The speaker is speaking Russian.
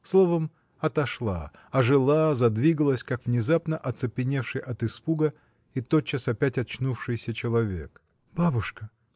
Словом — отошла, ожила, задвигалась, как внезапно оцепеневший от испуга и тотчас опять очнувшийся человек. — Бабушка!